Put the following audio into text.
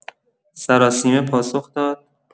سراسیمه پاسخ داد.